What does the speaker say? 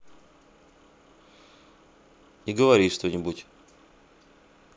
и говори что нибудь